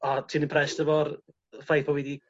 a ti'n impressed efo'r ffaith bo' fi 'di